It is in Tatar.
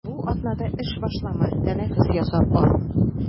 Бу атнада эш башлама, тәнәфес ясап ал.